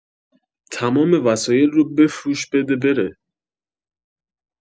تمام وسایل رو بفروش بده بره